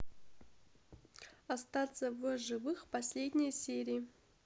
остаться в живых последняя серия